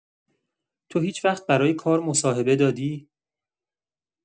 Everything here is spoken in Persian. تو هیچ‌وقت برای کار مصاحبه دادی؟